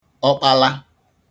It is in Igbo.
ọkpala